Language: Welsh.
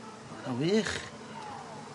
'Na'n wych.